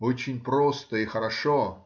Очень просто и хорошо